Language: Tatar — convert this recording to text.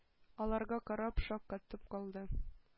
Аларга карап шаккатып калды.